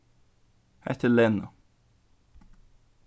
hetta er lena